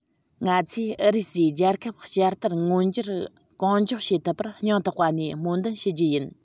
ང ཚོས ཨུ རུ སུས རྒྱལ ཁབ བསྐྱར དར མངོན འགྱུར གང མགྱོགས བྱེད ཐུབ པར སྙིང ཐག པ ནས སྨོན འདུན ཞུ རྒྱུ ཡིན